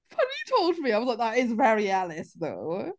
When he told me, I was like, that is very Ellis, though.